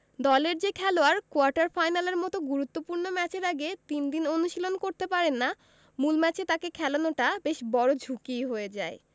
দলের যে খেলোয়াড় কোয়ার্টার ফাইনালের মতো গুরুত্বপূর্ণ ম্যাচের আগে তিন দিন অনুশীলন করতে পারেন না মূল ম্যাচে তাঁকে খেলানোটা বেশ বড় ঝুঁকিই হয়ে যায়